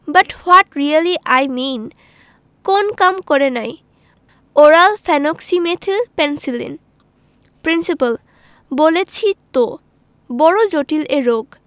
but what really I mean কোন কাম করে নাই ওরাল ফেনোক্সিমেথিল পেনিসিলিন প্রিন্সিপাল বলেছি তো বড় জটিল এ রোগ